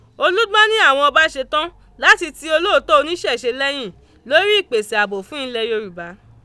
Olúgbọ́n ní àwọn ọba ṣetán láti ti olóòtọ́ oníṣẹ̀ṣé lẹ́yìn lórí ìpèsè ààbò fún ilẹ̀ Yorùbá.